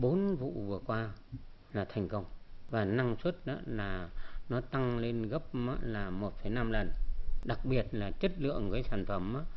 bốn vụ vừa qua là thành công và năng suất nữa là nó tăng lên gấp là một phẩy năm lần đặc biệt là chất lượng cái sản phẩm